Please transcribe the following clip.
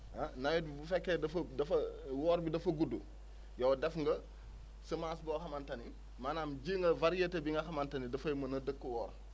ah nawet bi bu fekkee dafa woor bi dafa gudd yow def nga semence boo xamante ni maanaam ji nga variété bi nga xamante ni dafay mën a dëkku woor